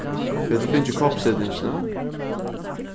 hevur tú fingið koppsetingina